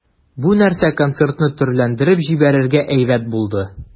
Бу нәрсә концертны төрләндереп җибәрергә әйбәт булды.